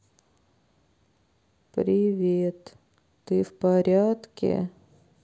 привет ты в порядке